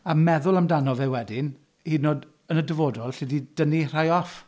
A meddwl amdano fe wedyn, hyd yn oed yn y dyfodol, alle di dynnu rhai off.